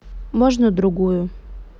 можно другую